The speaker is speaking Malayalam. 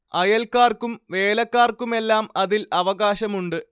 അയൽക്കാർക്കും വേലക്കാർക്കുമെല്ലാം അതിൽ അവകാശമുണ്ട്